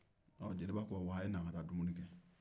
jeliba ko wa a ye na an ka dumuni kɛ